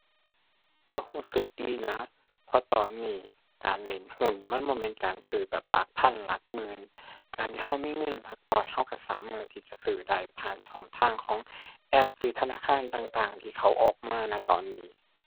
ก็ก็สึกดีนะ เพราะตอนนี้การเล่นหุ้นมันบ่แม่นการซื้อแบบหลักพัน หลักหมื่น การที่ก็มีเงินหลักร้อยก็ก็สามารถที่จะซื้อได้ผ่านช่องทางของแอปหรือธนาคารต่างต่างที่เขาออกมา ณ ตอนนี้